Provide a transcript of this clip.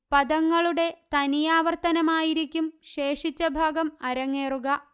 പദങ്ങളുടെ തനിയാവർത്തനമായിരിക്കും ശേഷിച്ച ഭാഗം അരങ്ങേറുക